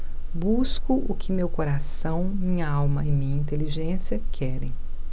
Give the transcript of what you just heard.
busco o que meu coração minha alma e minha inteligência querem